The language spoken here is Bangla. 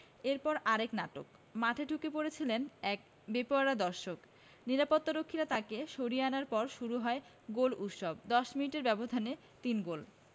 এরপর আরেক নাটক মাঠে ঢুকে পড়েছিলেন এক বেয়াড়া দর্শক নিরাপত্তারক্ষীরা তাকে সরিয়ে আনার পর শুরু হয় গোল উৎসব ১০ মিনিটের ব্যবধানে তিন গোল